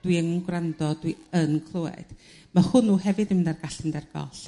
dwi yn gwrando dwi yn clywed ma' hwnnw hefyd yn mynd ar... Gall mynd ar goll.